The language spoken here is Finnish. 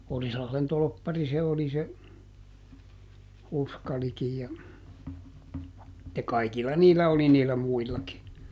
Orilahden torppari se oli se Uskalikin ja ja kaikilla niillä oli niillä muillakin